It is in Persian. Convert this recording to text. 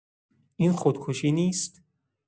این خودکشی نیست؟